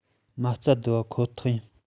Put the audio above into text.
མ རྩ རྡིབ པ ཁོ ཐག ཡིན